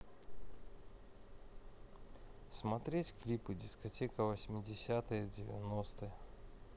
смотреть клипы дискотека восьмидесятые девяностые